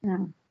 Iawn.